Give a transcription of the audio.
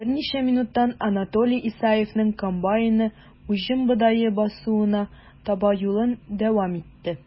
Берничә минуттан Анатолий Исаевның комбайны уҗым бодае басуына таба юлын дәвам итте.